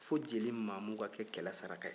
fo jeli maamu ka kɛ kɛlɛ saraka ye